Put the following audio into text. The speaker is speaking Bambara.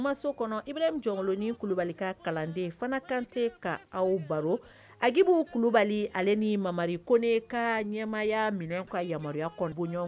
Kɔnɔ ib jɔnkolonin kulubali ka kalanden fana kante ka aw baro agbu kulubali ale ni mamari ko ne ka ɲɛmaya minɛn ka yamaruyaya